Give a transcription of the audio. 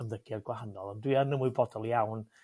ymddygiad gwahanol ond dwi yn ymwybodol iawn